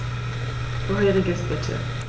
Vorheriges bitte.